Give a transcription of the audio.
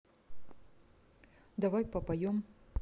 давай попоем